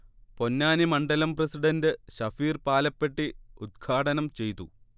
പൊന്നാനി മണ്ഡലം പ്രസിഡണ്ട് ശഫീർ പാലപ്പെട്ടി ഉദ്ഘാടനം ചെയ്തു